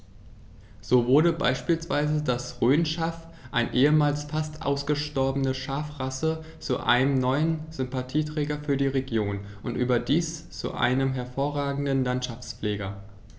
So wurde beispielsweise das Rhönschaf, eine ehemals fast ausgestorbene Schafrasse, zu einem neuen Sympathieträger für die Region – und überdies zu einem hervorragenden Landschaftspfleger.